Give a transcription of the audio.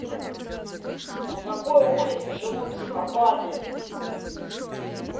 на какой улице живут психопаты